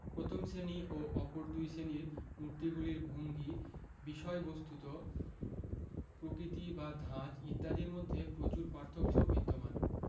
প্রথম শ্রেণি ও অপর দুই শ্রেণীর মূর্তিগুলির ভঙ্গি বিষয়বস্ত্ত প্রকৃতি বা ধাঁচ ইত্যাদির মধ্যে প্রচুর পার্থক্য বিদ্যমান